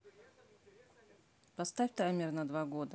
поставь таймер на два года